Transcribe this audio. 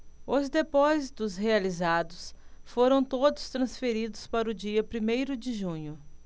os depósitos realizados foram todos transferidos para o dia primeiro de junho